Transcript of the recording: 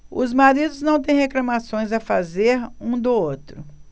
os maridos não têm reclamações a fazer um do outro